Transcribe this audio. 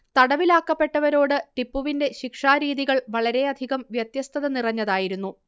തടവിലാക്കപ്പെട്ടവരോടു ടിപ്പുവിന്റെ ശിക്ഷാരീതികൾ വളരെയധികം വ്യത്യസ്തത നിറഞ്ഞതായിരുന്നു